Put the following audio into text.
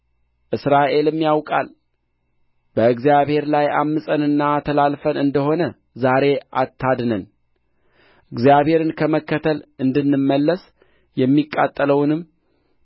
እስራኤልም ያውቀዋል በእግዚአብሔር ላይ ዐምፀንና ተላልፈን እንደ ሆነ ዛሬ አታድነን እግዚአብሔርን ከመከተል እንድንመለስ የሚቃጠለውን